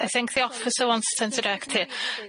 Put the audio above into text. I think the officer wants to interject here.